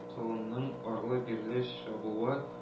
Колынның арлы-бирле чабуы